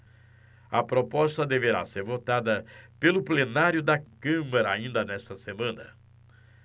a proposta deverá ser votada pelo plenário da câmara ainda nesta semana